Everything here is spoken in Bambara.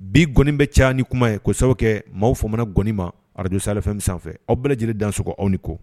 Bi kɔni bi caya ni kuma ye ko sabu kɛ maaw famana koli ma radio Sahel FM sanfɛ . Aw bɛɛ lajɛlen dansɔgɔ aw ni kɔ.